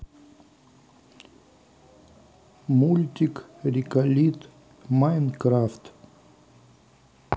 мультик риколит майнкрафт